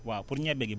waaw pour ñebe gi